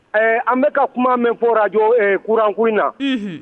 Ɛɛ an bɛka ka kuma min fɔ jɔ kurankun na